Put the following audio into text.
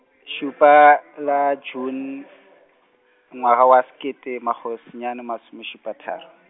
šupa la June, ngwaga wa sekete, makgolo senyane masome šupa tharo.